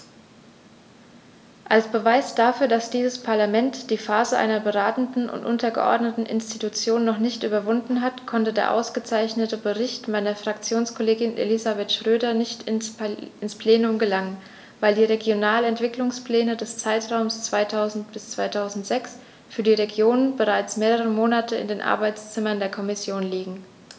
Als Beweis dafür, dass dieses Parlament die Phase einer beratenden und untergeordneten Institution noch nicht überwunden hat, konnte der ausgezeichnete Bericht meiner Fraktionskollegin Elisabeth Schroedter nicht ins Plenum gelangen, weil die Regionalentwicklungspläne des Zeitraums 2000-2006 für die Regionen bereits mehrere Monate in den Arbeitszimmern der Kommission liegen.